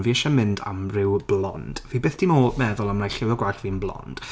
Fi eisiau mynd am ryw blond. Fi byth 'di meddwl am lliwio gwallt fi'n blond.